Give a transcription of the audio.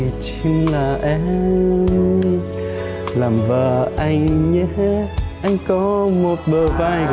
chính là em làm vợ anh nhé anh có một bờ